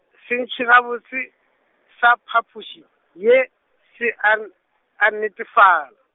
se ntši gabotse, sa phapoši ye se a n-, a nnete fala.